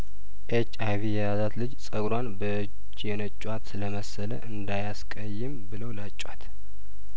ኤች አይቪ የያዛት ልጅ ጸጉሯን በእጅ የነጯት ስለመሰለ እንዳያስቀይም ብለው ላጯት